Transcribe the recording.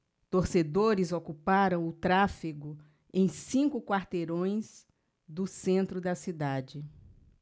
torcedores ocuparam o tráfego em cinco quarteirões do centro da cidade